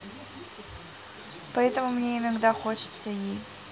поэтому мне иногда хочется и